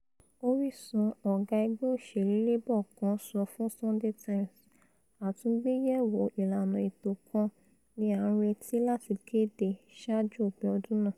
Orísun ọ̀gá Ẹgbẹ̵̇́ Òṣèlú Labour kan sọ fún Sunday Times: 'Àtúgbéyẹ̀wò ìlàna ètò kan ni a ńreti láti kéde saájú òpin ọdún náà.